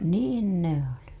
niin ne oli